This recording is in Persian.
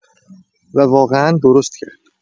و واقعا درست کرد.